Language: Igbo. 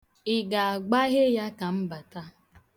Ị ga-agbaghe ya ka m bata?